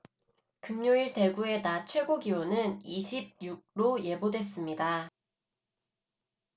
금요일 대구의 낮 최고기온은 이십 육 로 예보됐습니다